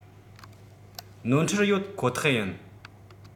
ནོར འཁྲུལ ཡོད ཁོ ཐག ཡིན